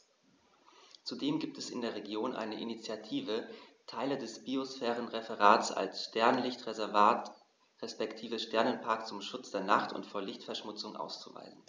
Zudem gibt es in der Region eine Initiative, Teile des Biosphärenreservats als Sternenlicht-Reservat respektive Sternenpark zum Schutz der Nacht und vor Lichtverschmutzung auszuweisen.